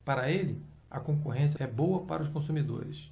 para ele a concorrência é boa para os consumidores